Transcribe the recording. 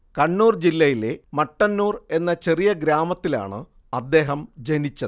കണ്ണൂർ ജില്ലയിലെ മട്ടന്നൂർ എന്ന ചെറിയ ഗ്രാമത്തിലാണ് അദ്ദേഹം ജനിച്ചത്